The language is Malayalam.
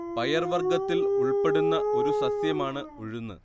പയർ വർഗ്ഗത്തിൽ ഉൾപ്പെടുന്ന ഒരു സസ്യമാണ് ഉഴുന്ന്